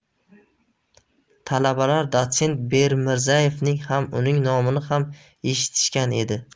talabalar dotsent bekmirzaevning ham uning nomini ham eshitishgan edi